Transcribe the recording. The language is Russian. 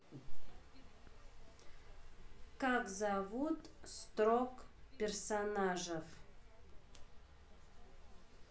как зовут строк персонажев